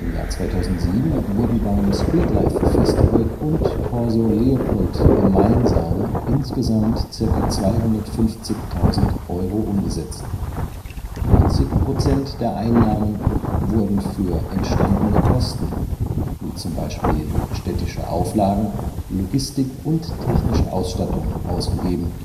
Jahr 2007 wurden bei Streetlife Festival und Corso Leopold gemeinsam insgesamt circa 250.000 Euro umgesetzt. 90 Prozent der Einnahmen wurden für entstandene Kosten, wie zum Beispiel städtische Auflagen, Logistik und technische Ausstattung, ausgegeben